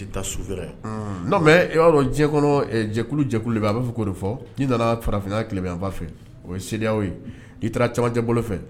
État souverain . Non mais i b'a dɔn diɲɛ kɔnɔ, ɛɛ, jɛkulu jɛkulu bɛ. A b'a fɛ ka o de fɔ, n'i nana farafinan tllebin yanfan fɛ, o ye CEDEAO ye, ni taara cɛmancɛ bolo fɛ